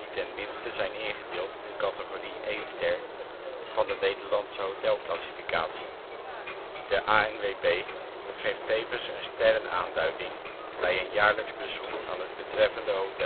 tenminste zijn ingedeeld in categorie 1-ster van de Nederlandse Hotel Classificatie. De ANWB geeft tevens een sterrenaanduiding bij een jaarlijkse bezoek aan het betreffende hotel. De